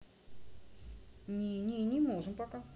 не не можем пока